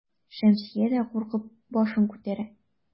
Шәмсия дә куркып башын күтәрә.